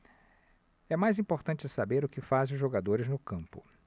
é mais importante saber o que fazem os jogadores no campo